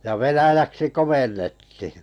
ja venäjäksi komennettiin